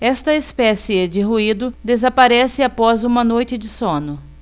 esta espécie de ruído desaparece após uma noite de sono